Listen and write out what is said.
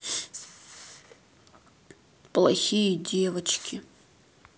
плохие девочки